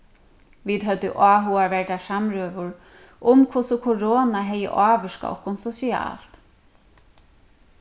vit høvdu áhugaverdar samrøður um hvussu korona hevði ávirkað okkum sosialt